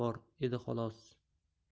bor edi xolos